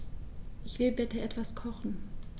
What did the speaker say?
Ich will bitte etwas kochen.